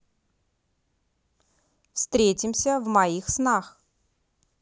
встретимся в моих снах